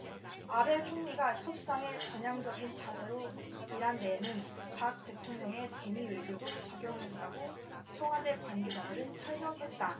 아베 총리가 협상에 전향적인 자세로 임한 데에는 박 대통령의 대미 외교도 작용했다고 청와대 관계자들은 설명했다